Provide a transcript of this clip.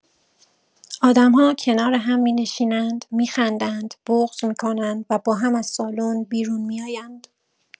آدم‌ها کنار هم می‌نشینند، می‌خندند، بغض می‌کنند و با هم از سالن بیرون می‌آیند.